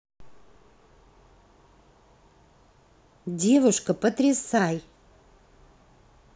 девушка потрясай